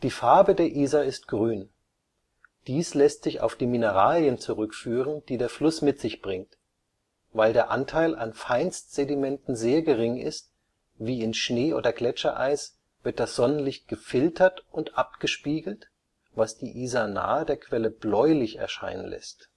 Farbe der Isar ist grün. Dies lässt sich auf die Mineralien zurückführen, die der Fluss mit sich bringt. Weil der Anteil an Feinstsedimenten sehr gering ist, wie in Schnee oder Gletschereis, wird das Sonnenlicht gefiltert und abgespiegelt, was die Isar nahe der Quelle bläulich erscheinen lässt